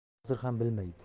hozir ham bilmaydi